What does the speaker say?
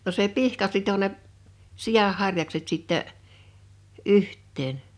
no se pihka sitoi ne sian harjakset sitten yhteen